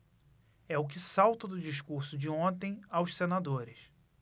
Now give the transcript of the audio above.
é o que salta do discurso de ontem aos senadores